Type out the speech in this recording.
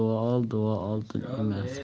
ol duo oltin emasmi